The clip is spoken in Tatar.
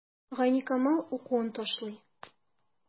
Гайникамал укуын ташлый.